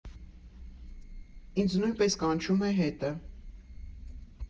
Ինձ նույնպես կանչում է հետը։